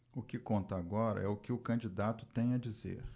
o que conta agora é o que o candidato tem a dizer